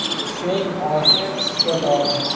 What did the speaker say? tushning oshi tishga dori